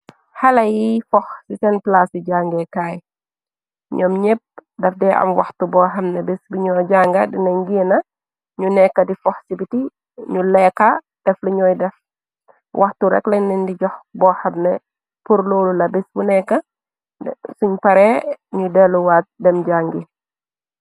xale yi fox ci seen plaace yu jàngeekaay ñoom ñépp daf de am waxtu boo xamne bis bi ñoo jànga dina ngiina ñu nekka di fox ci biti ñu leeka def lu ñooy def waxtu rekklanndi jox boo xamne pur loolu la bis bu nekk suñ pare ñu delu waa dem jàngi